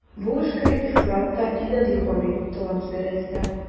Бу эшкә ифрат та иҗади карый талантлы рәссам.